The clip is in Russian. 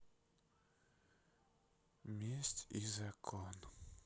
месть и закон